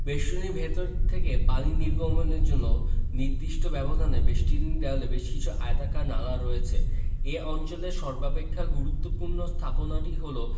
বেষ্টনীর ভিতর থেকে পানি নির্গমের জন্য নির্দিষ্ট ব্যবধানে বেষ্টনী দেয়ালে বেশ কিছু আয়তাকার নালা রয়েছে এ অঞ্চলের সর্বাপেক্ষা গুরুত্বপূর্ণ স্থাপনাটি হলো